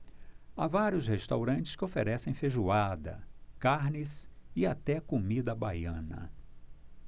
há vários restaurantes que oferecem feijoada carnes e até comida baiana